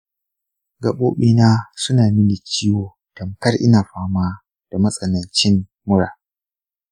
gaɓoɓi na suna mini ciwo tamkar ina fama da matsanancin mura.